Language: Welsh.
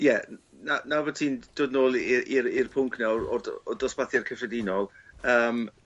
Ie n- na- nawr bo' ti'n dod nôl i i'r i'r pwnc nawr o'r do- o dosbarthiad cyffredinol yym